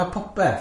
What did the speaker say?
A popeth.